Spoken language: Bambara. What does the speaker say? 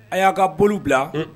A y'a ka boli bila